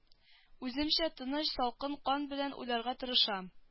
Үземчә тыныч салкын кан белән уйларга тырышам